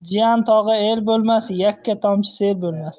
jiyan tog'a el bo'lmas yakka tomchi sel bo'lmas